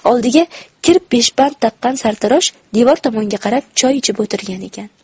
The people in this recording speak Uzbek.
oldiga kir peshband taqqan sartarosh devor tomonga qarab choy ichib o'tirgan ekan